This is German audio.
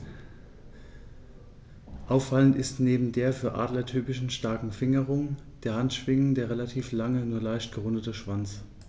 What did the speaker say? Auffallend ist neben der für Adler typischen starken Fingerung der Handschwingen der relativ lange, nur leicht gerundete Schwanz.